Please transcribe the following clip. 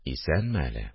– исәнме әле